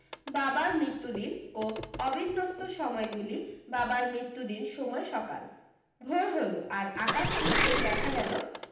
বাবার মৃত্যুদিন ও অবিন্যস্ত সময়গুলি বাবার মৃত্যুদিন সময় সকাল ভোর হলো আর আকাশ উঠতেই দেখা গেলো